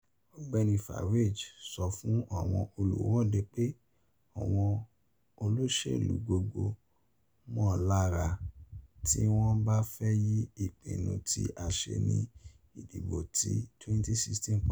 Ọ̀gbẹ́ni Farage sọ fún àwọn olùwọ́de pé àwọn olóṣèlú gbọdọ̀ ‘mọ̀ lára’ tí wọ́n bá fẹ́ yí ìpinnu tí a ṣé ní ìdibo ti 2016 padà.